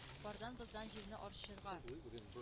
Кардан-боздан җирне арчырга.